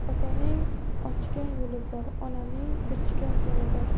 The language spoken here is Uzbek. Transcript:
otaning ochgan yo'li bor onaning bichgan to'ni bor